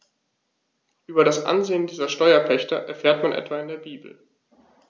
Über das Ansehen dieser Steuerpächter erfährt man etwa in der Bibel.